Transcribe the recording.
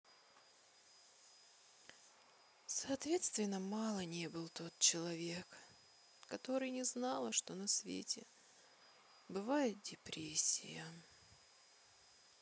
соответственно мало не был тот человек который не знала что на свете бывает депрессия